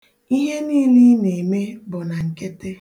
Ihe niile ị na-eme bụ na nkịtị.